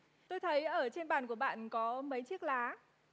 tôi thấy ở trên bàn của bạn có mấy chiếc lá